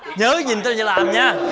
nhớ nhìn tôi rồi làm